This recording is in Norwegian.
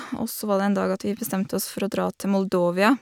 Og så var det en dag at vi bestemte oss for å dra til Moldovia.